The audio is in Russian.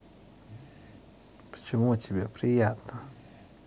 почему тебе приятно